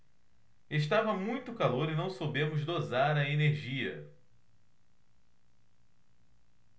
estava muito calor e não soubemos dosar a energia